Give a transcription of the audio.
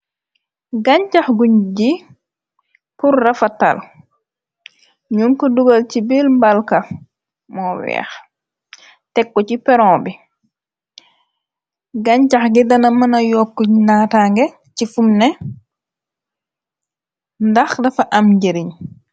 Gancax bu gi purra fatal , ñun ko dugal ci bil mbalka moo weex , tekku ci peron bi. Gancax gi dana mëna yokk natange ci fumne, ndax dafa am njëriñ.